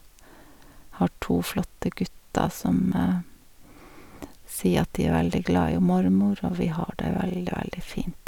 Har to flotte gutter som sier at de er veldig glad i hun mormor, og vi har det veldig, veldig fint.